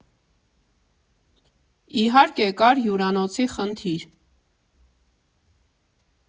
Իհարկե, կար հյուրանոցի խնդիր.